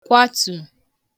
kwatù